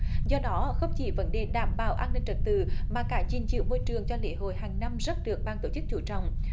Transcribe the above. do đó không chỉ vấn đề đảm bảo an ninh trật tự mà cả gìn giữ môi trường cho lễ hội hằng năm rất được ban tổ chức chú trọng